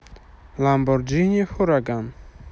lamborghini huracan